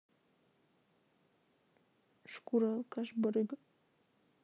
шкура алкаш барыга